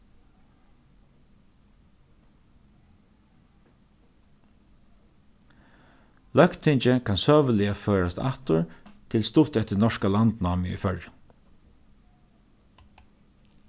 løgtingið kann søguliga førast aftur til stutt eftir norska landnámið í føroyum